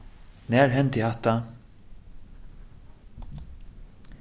nær hendi hatta